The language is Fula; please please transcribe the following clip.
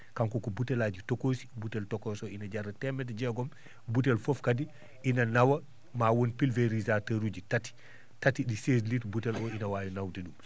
kanko ko butellaaji tokosi butel ne jara temedde jeegom butel fof kadi ina nawa ma won pulvérisateur uji tati tati ɗi serdiri butel o ine waawi nawde ɗum